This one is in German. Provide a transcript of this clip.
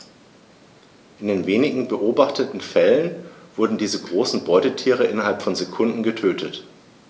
In den wenigen beobachteten Fällen wurden diese großen Beutetiere innerhalb von Sekunden getötet.